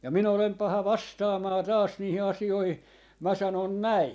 ja minä olen paha vastaamaan taas niihin asioihin minä sanon näin